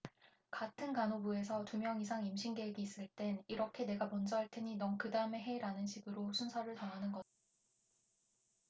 같은 간호부에서 두 명 이상 임신 계획이 있을 땐 이렇게 내가 먼저 할 테니 넌 그다음에 해라는 식으로 순서를 정하는 거죠